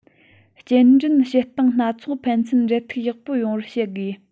སྐྱེལ འདྲེན བྱེད སྟངས སྣ ཚོགས ཕན ཚུན འབྲེལ མཐུད ཡག པོ ཡོང བར བྱེད དགོས